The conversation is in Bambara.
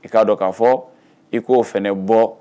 I k'a dɔn k'a fɔ i k'o fana bɔ.